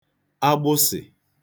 agbụsị